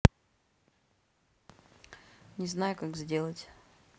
не знаю как сделать